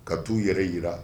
Ka du yɛrɛ jira